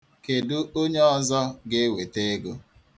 Kedụ onye ọzọ ga-eweta ego?